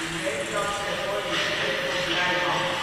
Nederlands Hervormde kerk van Blijham